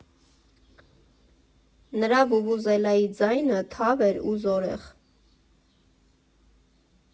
Նրա վուվուզելայի ձայնը թավ էր ու զորեղ։